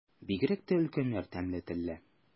Бигрәк тә өлкәннәр тәмле телле.